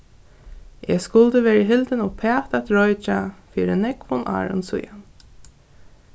eg skuldi verið hildin uppat at roykja fyri nógvum árum síðan